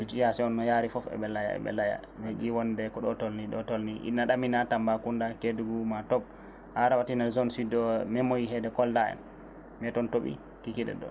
situation no yaari foof eɓe laaya eɓe laaya no ƴiwonnde ko ɗo tolni ɗo tolni ina ɗamina Tambacouda Kedougou ma toob ha rawatina zone sud o memoyi hedde Kolda en mais toon tooɓi kikiɗe ɗo